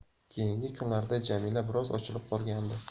keyingi kunlarda jamila biroz ochilib qolgandi